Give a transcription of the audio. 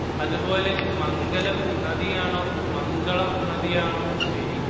അതുപോലെ മംഗലം നദി ആണോ മംഗളം നദി ആണോ ശരി